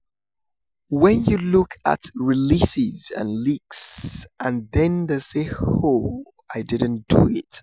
"When you look at releases and leaks and then they say "oh, I didn't do it.